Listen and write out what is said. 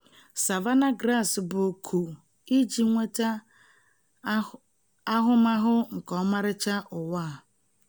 Savannah Grass bụ oku iji nweta ahụmahụ nke ọmarịcha ụwa a.